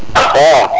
a